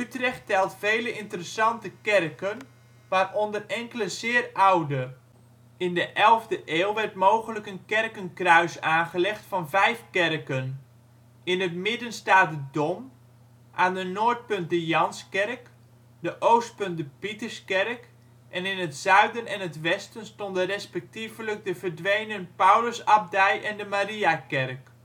Utrecht telt vele interessante kerken, waaronder enkele zeer oude. In de elfde eeuw werd mogelijk een kerkenkruis aangelegd van vijf kerken: In het midden staat de Dom, aan de noordpunt de Janskerk, de oostpunt de Pieterskerk, en in het zuiden en het westen stonden respectievelijk de verdwenen Paulusabdij en de Mariakerk